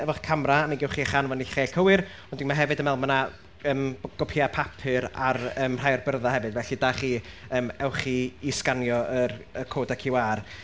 efo'ch camera, mi gewch chi'ch anfon i'ch lle cywir, ond dwi m- hefyd yn meddwl ma' 'na yym gopïau papur ar yym rhai o'r byrddau hefyd, felly da chi yym ewch i i sganio yr... y codau QR.